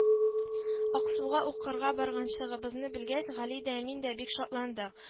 Аксуга укырга барачагыбызны белгәч, Гали дә, мин дә бик шатландык